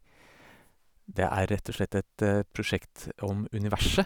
Det er rett og slett et prosjekt om universet.